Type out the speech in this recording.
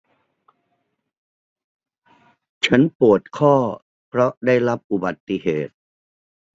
ฉันปวดข้อเพราะได้รับอุบัติเหตุ